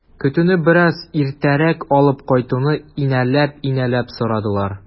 Көтүне бераз иртәрәк алып кайтуны инәлеп-инәлеп сорадылар.